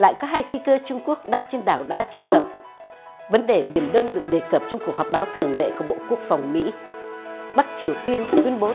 lại có hai phi cơ trung quốc đáp trên đảo đá chữ thập vấn đề biển đông được đề cập trong cuộc họp báo thường lệ của bộ quốc phòng mỹ bắc triều tiên tuyên bố